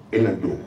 E na don.